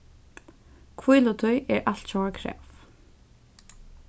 hvílutíð er altjóða krav